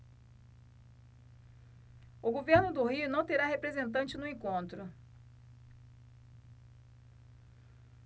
o governo do rio não terá representante no encontro